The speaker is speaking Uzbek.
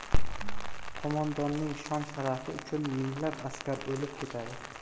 qo'mondonning shon sharafi uchun minglab askar o'lib ketadi